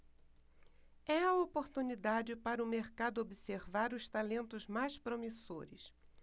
é a oportunidade para o mercado observar os talentos mais promissores